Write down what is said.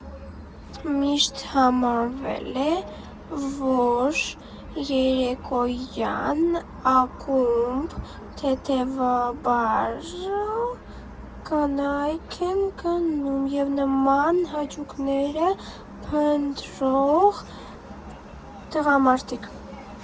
Միշտ համարվել է, որ երեկոյան ակումբ թեթևաբարո կանայք են գնում, և նման հաճույքներ փնտրող տղամարդիկ։